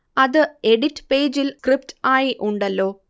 അത് എഡിറ്റ് പേജിൽ സ്ക്രിപ്റ്റ് ആയി ഉണ്ടല്ലോ